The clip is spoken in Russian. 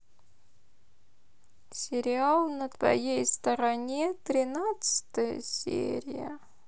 сериал на твоей стороне тринадцатая серия